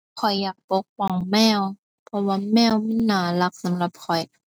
ข้อยอยากปกป้องแมว เพราะว่าแมวมันน่ารักสำหรับข้อย